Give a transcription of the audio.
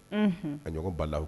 Unhun a ɲɔgɔn balahu